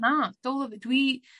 Ma'... Do... Dwi